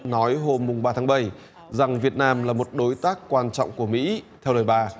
nói hôm mùng ba tháng bảy rằng việt nam là một đối tác quan trọng của mỹ theo lời bà